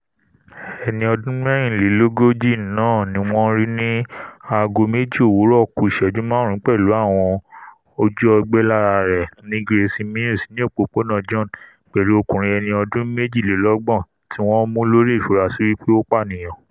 Ẹni ọdún mẹ́rìnlélógójì náà ni wọ́n rí ní aago mẹ́jọ òwúrọ̀ ku ìṣẹ́jú máàrún pẹ̀lú àwọn ojú-ọgbẹ́ lára rẹ̀ ni ́Grayson Mews ní òpòpóna John, pẹ̀lú ọkùnrin ẹni ọdún méjilélọ́gbọ̀n tí wọ́n mú lórí ìfurasì wí pé ó pànìyàn.